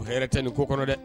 O hɛrɛ tɛ nin ko kɔnɔ dɛ